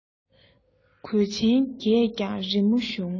གོས ཆེན རྒས ཀྱང རི མོའི གཞུང